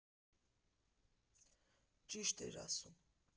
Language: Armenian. Ճիշտ էր ասում։